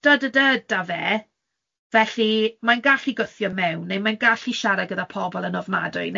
duh duh duh, 'da fe, felly mae'n gallu gwthio mewn, neu mae'n gallu siarad gyda pobl yn ofnadwy,